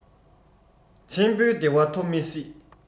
ཆེན པོའི བདེ བ ཐོབ མི སྲིད